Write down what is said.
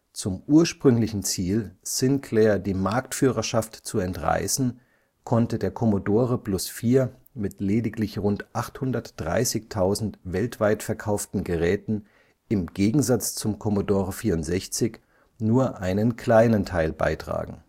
Zum ursprünglichen Ziel, Sinclair die Marktführerschaft zu entreißen, konnte der Commodore Plus/4 mit lediglich rund 830.000 weltweit verkauften Geräten im Gegensatz zum Commodore 64 nur einen kleinen Teil beitragen